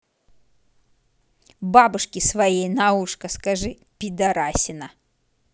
бабушке своей наушка скажи пидарасина